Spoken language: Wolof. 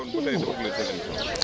kon ku nekk ut na solution